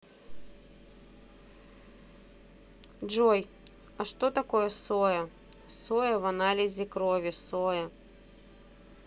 джой а что такое соэ соэ в анализе крови соэ